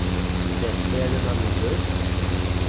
set ferðina niður